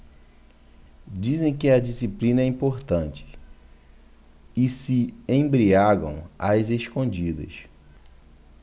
dizem que a disciplina é importante e se embriagam às escondidas